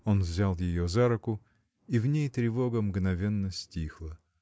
Он взял ее за руку — и в ней тревога мгновенно стихла.